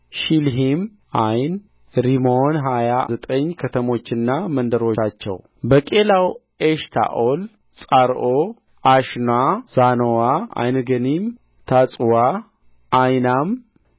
ሺልሂም ዓይን ሪሞን ሀያዘጠኝ ከተሞችና መንደሮቻቸው በቈላው ኤሽታኦል ጾርዓ አሽና ዛኖዋ ዓይንገኒም ታጱዋ ዓይናም